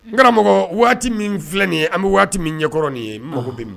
N karamɔgɔ waati min filɛ nin ye, an bɛ waati min ɲɛkɔrɔ nin ye, ɔhɔ, n mako bɛ nin na.